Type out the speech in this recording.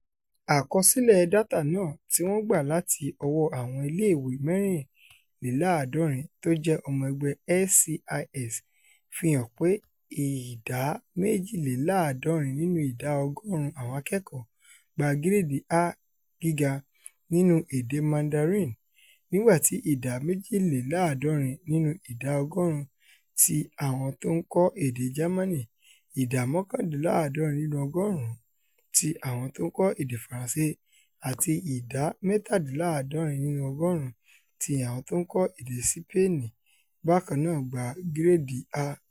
Àkọsilẹ̀ dátà náà, tíwọ́n gbà láti ọwọ́ àwọn ilé ìwé mẹ́rìnléláàádọ́rin tójẹ́ ọmọ ẹgbẹ́ SCIS fihàn pé ìdá méjìléláàádọ́rin nínú ìdá ọgọ́ọ̀rún àwọn akẹ́kọ̀ọ́ gba giredi A Giga nínú èdè Mandarin, nígbà tí ìdá méjìléláàádọ́rin nínú ìdá ọgọ́ọ̀rún ti àwọn tó ńkọ́ èdè Jamani, ìdá mọ́kàndínláàádọ́rin nínú ọgọ́ọ̀rún ti àwọn tó ńkọ́ èdè Faranṣe, àti ìdá mẹ́tàdínláàádọ́rin nínú ọgọ́ọ̀rún ti àwọn tó ńkọ́ èdè Sipeeni bákannáà gba giredi A.